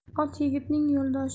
ot yigitning yo'ldoshi